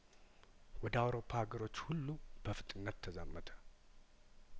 ወደ አውሮፓ ሀገሮች ሁሉ በፍጥነት ተዛመተ